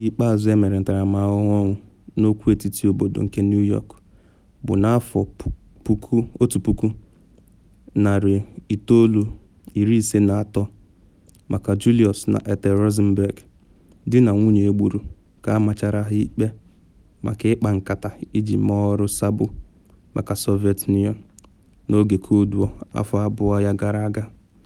Oge ikpeazụ emere ntaramahụhụ ọnwụ na okwu etiti obodo nke New York bụ na 1953 maka Julius na Ethel Rosenberg, di na nwunye egburu ka amachara ha ikpe maka ịkpa nkata iji mee ọrụ sabo maka Soviet Union n’oge Cold War afọ abụọ ya gara aga.